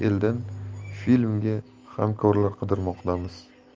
eldan filmga hamkorlar qidirmoqdamiz